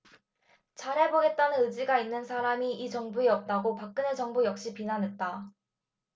잘해보겠다는 의지가 있는 사람이 이 정부에 없다고 박근혜 정부 역시 비난했다